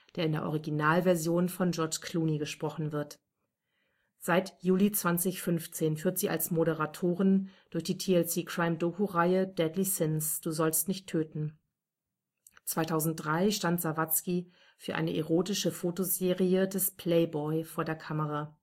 der Originalversion von George Clooney gesprochen wird. Seit Juli 2015 führt sie als Moderatorin durch die TLC Crime-Doku-Reihe Deadly Sins – Du sollst nicht töten. 2003 stand Sawatzki für eine erotische Fotoserie des Playboy vor der Kamera